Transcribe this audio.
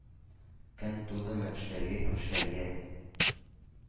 – көн тудымы – эшләргә һәм эшләргә.